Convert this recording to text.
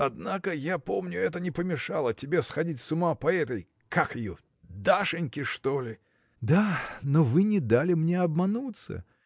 – Однако, я помню, это не помешало тебе сходить с ума по этой. как ее?. Дашеньке, что ли? – Да но вы не дали мне обмануться